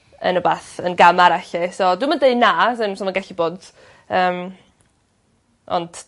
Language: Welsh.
yn wbath yn gam arall 'lly. So dwi'm yn deud na sai'n' so ma' gallu bod yym ont